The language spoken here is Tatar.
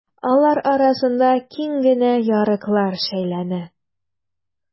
Алар арасында киң генә ярыклар шәйләнә.